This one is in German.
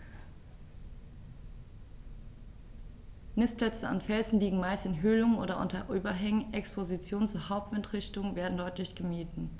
Nistplätze an Felsen liegen meist in Höhlungen oder unter Überhängen, Expositionen zur Hauptwindrichtung werden deutlich gemieden.